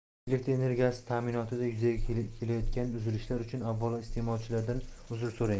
elektr energiyasi ta'minotida yuzaga kelayotgan uzilishlar uchun avvalo iste'molchilardan uzr so'raymiz